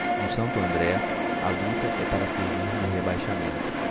no santo andré a luta é para fugir do rebaixamento